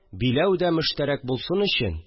Биләү дә мөштәрәк булсын өчен